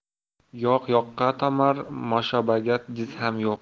yog' yoqqa tomar moshobaga jiz ham yo'q